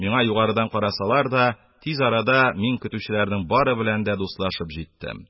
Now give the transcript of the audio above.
Миңа югарыдан карасалар да, тиз арада мин көтүчеләрнең бары белән дә дуслашып җиттем.